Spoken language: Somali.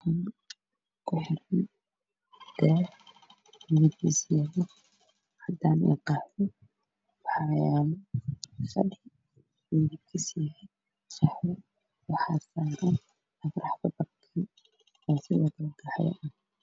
Waa qol waxaa yaalo fadhi midabkiisu yahay qaxwi